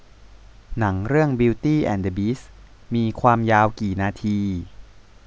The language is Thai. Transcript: หนังเรื่องบิวตี้แอนด์เดอะบีสต์มีความยาวกี่นาที